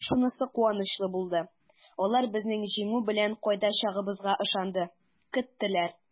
Шунысы куанычлы булды: алар безнең җиңү белән кайтачагыбызга ышанды, көттеләр!